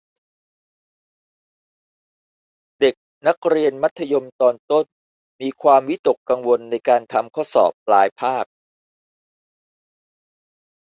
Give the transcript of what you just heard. เด็กนักเรียนมัธยมตอนต้นมีความวิตกกังวลในการทำข้อสอบปลายภาค